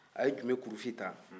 a ye jubekurufin ta